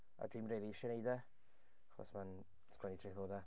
A dwi'm rili isie wneud e, achos ma'n ysgrifennu traethodau.